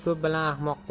ko'p bilan ahtnoq bo'l